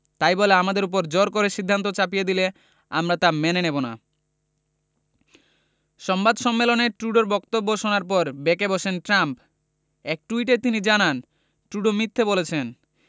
তাই বলে আমাদের ওপর জোর করে সিদ্ধান্ত চাপিয়ে দিলে আমরা তা মেনে নেব না সংবাদ সম্মেলনে ট্রুডোর বক্তব্য শোনার পর বেঁকে বসেন ট্রাম্প এক টুইটে তিনি জানান ট্রুডো মিথ্যা বলেছেন